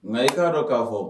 Nka i k'a dɔn k'a fɔ